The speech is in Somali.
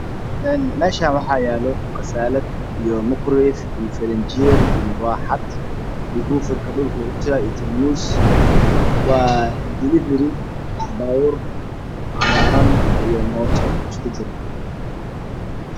Meshan waxaa yaalo qasaalad iyo moqreef iyo firinjeer iyomuraaxad iyo mufarja dhuka lagu tirtiraayo io tarmuus waa dilivari baabuur cagaaran iyo mooto iskujiro